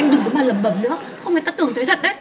anh đừng có mà lẩm bẩm nữa không người ta tưởng thế thật đấy